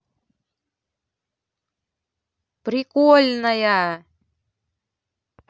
прикольная